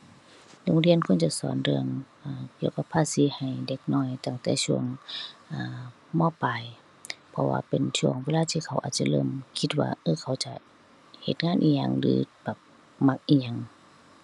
โรงเรียนควรจะสอนเรื่อง เอ่อ เกี่ยวกับภาษีให้เด็กน้อยตั้งแต่ช่วง เอ่อ ม.ปลาย เพราะว่าเป็นช่วงเวลาที่เขาอาจจะเริ่มคิดว่า เออ เขาจะเฮ็ดงานอิหยังหรือแบบมักอิหยัง